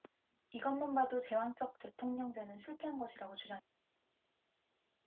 이것만 봐도 제왕적 대통령제는 실패한 것이라고 주장했